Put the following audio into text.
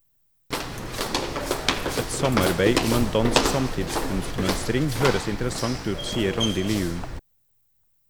- Et samarbeid om en dansk samtidskunstmønstring høres interessant ut, sier Randi Lium.